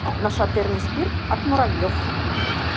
нашатырный спирт от муравьев